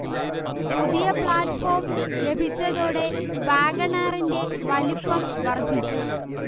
പുതിയ പ്ലാറ്റ്ഫോം ലഭിച്ചതോടെ വാഗണാറിന്റെ വലുപ്പം വർധിച്ചു